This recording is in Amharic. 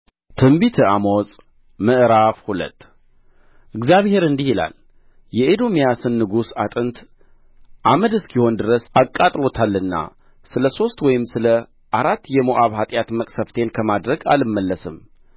ትንቢተ አሞጽ ምዕራፍ ሁለት እግዚአብሔር እንዲህ ይላል የኤዶምያስን ንጉሥ አጥንት አመድ እስኪሆን ድረስ አቃጥሎታልና ስለ ሦስት ወይም ስለ አራት የሞዓብ ኃጢአት መቅሠፍቴን ከማድረግ አልመለስም